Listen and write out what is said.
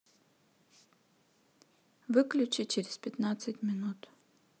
выключи через пятнадцать минут